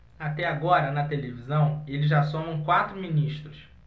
até agora na televisão eles já somam quatro ministros